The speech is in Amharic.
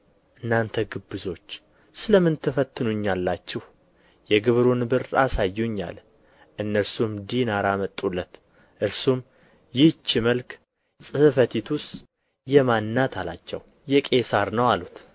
እናንተ ግብዞች ስለ ምን ትፈትኑኛላችሁ የግብሩን ብር አሳዩኝ አለ እነርሱም ዲናር አመጡለት እርሱም ይህች መልክ ጽሕፈቲቱስ የማን ናት አላቸው የቄሣር ነው አሉት